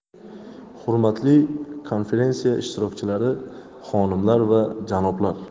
hurmatli konferensiya ishtirokchilari xonimlar va janoblar